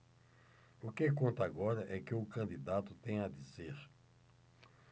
o que conta agora é o que o candidato tem a dizer